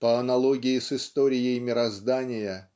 По аналогии с историей мироздания